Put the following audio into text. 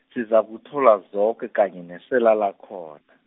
sizakuthola zoke kanye nesela lakhona.